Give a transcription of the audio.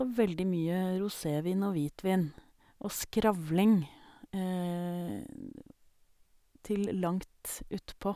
Og veldig mye rosévin og hvitvin og skravling til langt utpå.